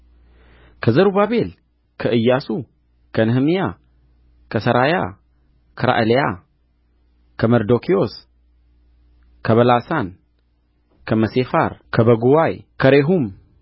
ከዘሩባቤል ከኢያሱ ከነህምያ ከሠራያ ከረዕላያ ከመርዶክዮስ ከበላሳን ከመሴፋር ከበጉዋይ ከሬሁም